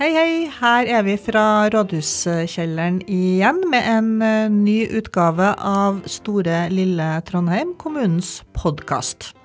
hei hei her er vi fra rådhuskjelleren igjen med en ny utgave av Store lille Trondheim kommunens podkast.